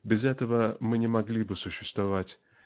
без этого мы не могли бы существовать